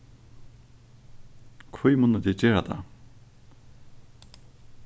hví munnu tit gera tað